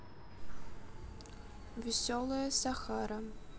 веселая сахара